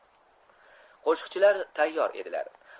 qo'shiqchilar tayyor edilar